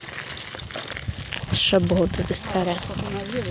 шаболда ты старая